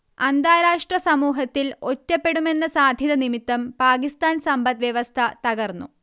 അന്താരാഷ്ട്ര സമൂഹത്തിൽ ഒറ്റപ്പെടുമെന്ന സാധ്യത നിമിത്തം പാകിസ്താൻ സമ്പദ് വ്യവസ്ഥ തകർന്നു